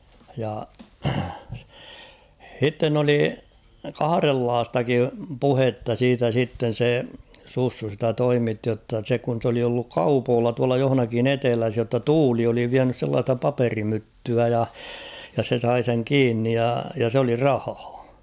ja sitten oli kahdenlaistakin puhetta siitä sitten se Sussu sitä toimitti jotta se kun se oli ollut kaupoilla tuolla jossakin etelässä jotta tuuli oli vienyt sellaista paperimyttyä ja ja se sai sen kiinni ja ja se oli rahaa